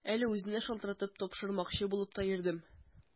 Әле үзенә шалтыратып, тапшырмакчы булып та йөрдем.